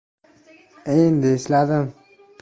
endi esladim